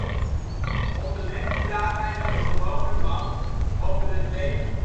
Onderweg praat hij met de gewone man over het leven